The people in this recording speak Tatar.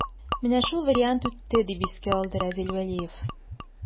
Менә шул вариант үтте, дип искә алды Разил Вәлиев.